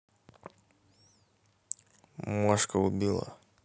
машка убила